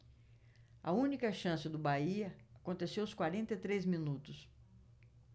a única chance do bahia aconteceu aos quarenta e três minutos